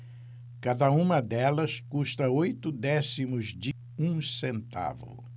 cada uma delas custa oito décimos de um centavo